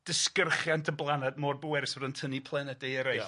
disgyrchiant y blaned mor bwerus bod o'n tynnu planedau eraill... Ia.